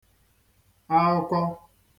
aụkọ